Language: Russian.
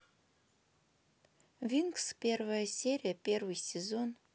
винкс первая серия первый сезон